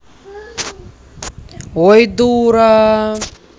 ой дура